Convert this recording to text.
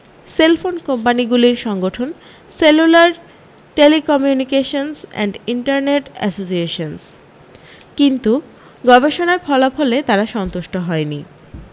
cellphone কোম্পানিগুলির সংগঠন cellular telecommunications and internet associations কিন্তু গবেষণার ফলাফলে তারা সন্তুষ্ট হয়নি